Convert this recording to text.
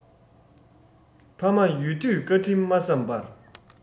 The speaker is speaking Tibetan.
ཕ མ ཡོད དུས བཀའ དྲིན མ བསམས པར